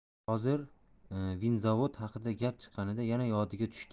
hozir vinzavod haqida gap chiqqanida yana yodiga tushdi